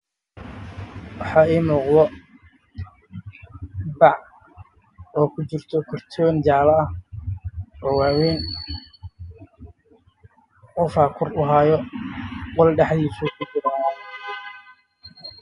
Waa kartoon jaale ah